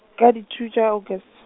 ka di two tša Augus-.